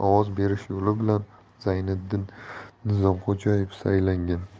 ovoz berish yo'li bilan zayniddin nizomxo'jayev saylangan